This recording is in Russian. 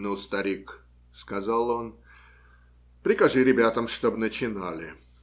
- Ну, старик, - сказал он, - прикажи ребятам, чтоб начинали.